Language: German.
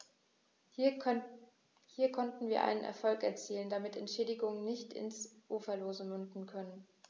Hier konnten wir einen Erfolg erzielen, damit Entschädigungen nicht ins Uferlose münden können.